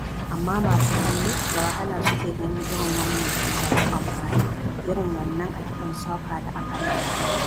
Amma masu kallo da wahala suke ganin irin wanan kwan-gaba-kwan-baya irin wannan a kiɗa socar da aka naɗa.